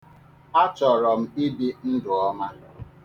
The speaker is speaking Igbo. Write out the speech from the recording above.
Achọrọ m ibi ndụ ọmạ.